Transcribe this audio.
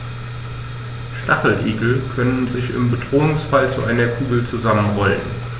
Stacheligel können sich im Bedrohungsfall zu einer Kugel zusammenrollen.